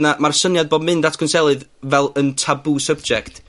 Na, ma'r syniad bo' mynd at gwnselydd, fel yn taboo subject